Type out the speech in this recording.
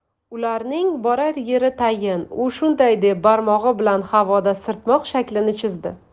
ularning borar yeri tayin u shunday deb barmog'i bilan havoda sirtmoq shaklini chizdi